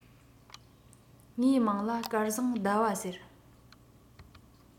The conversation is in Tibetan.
ངའི མིང ལ སྐལ བཟང ཟླ བ ཟེར